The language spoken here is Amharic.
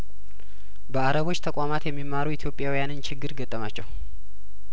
በአረቦች ተቋማት የሚማሩ ኢትዮጵያዊያን ችግር ገጠማቸው